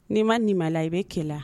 N'i ma ninmala i bɛ kɛlɛ